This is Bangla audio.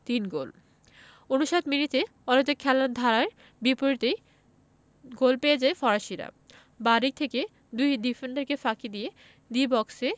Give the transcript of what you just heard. তিন গোল ৫৯ মিনিটে অনেকটা খেলার ধারার বিপরীতেই গোল পেয়ে যায় ফরাসিরা বাঁ দিক থেকে দুই ডিফেন্ডারকে ফাঁকি দিয়ে ডি বক্সে